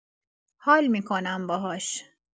حال می‌کنم باهاش